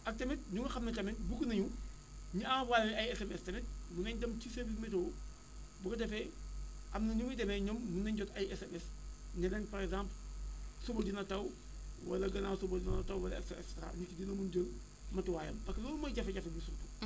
ak tamit ñu nga xam ne tamit bëgg nañu ñu envoyé leen ay SMS extrait mën nañu dem ci service météo bu ko defee am na nu muy demee ñoom mën nañ jot ay SMS ne leen par exemple suba dina taw wala gànnaaw suba dina taw wala et cetera nit ñi dina mën jël matuwaayam parce que loolu mooy jafe jafe bi surtout